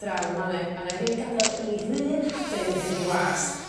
draw ma' 'ne a 'nai ddim gadel i 'r un hadyn fynd i wast